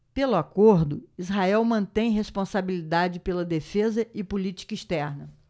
pelo acordo israel mantém responsabilidade pela defesa e política externa